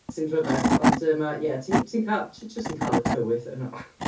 Sy'n rhyfedd, ond yym a ie, ti ti'n cael ti jyst yn cael y tywydd yno.